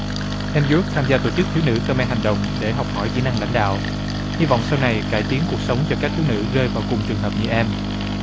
em dước tham gia tổ chức thiếu nữ khơ me hành động để học hỏi kỹ năng lãnh đạo hy vọng sau này cải tiến cuộc sống cho các thiếu nữ rơi vào cùng trường hợp như em